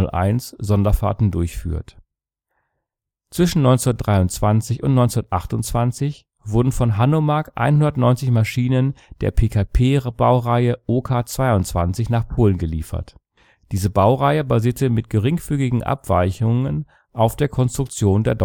638.1301 Sonderfahrten durchführt. Zwischen 1923 und 1928 wurden von Hanomag 190 Maschinen der PKP-Baureihe Ok22 nach Polen geliefert. Diese Baureihe basierte mit geringfügigen Abweichungen auf der Konstruktion der